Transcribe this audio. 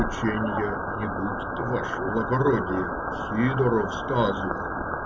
Ученья не будет, ваше благородие, Сидоров сказывал,